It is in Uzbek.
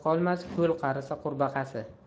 qolmas ko'l qarisa qurbaqasi